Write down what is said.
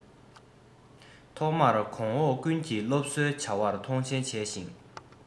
ཐོག མར གོང འོག ཀུན གྱིས སློབ གསོའི བྱ བར མཐོང ཆེན བྱས ཤིང